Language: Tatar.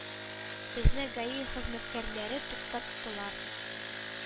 Безне гаи хезмәткәрләре туктаттылар,